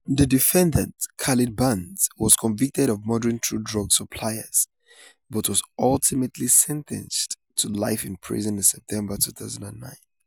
The defendant, Khalid Barnes, was convicted of murdering two drug suppliers but was ultimately sentenced to life in prison in September 2009.